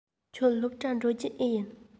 ཁྱོད སློབ གྲྭར འགྲོ རྒྱུ འེ ཡིན